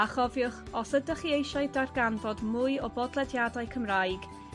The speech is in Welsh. A chofiwch os ydych chi eisiau darganfod mwy o bodlediadau Cymraeg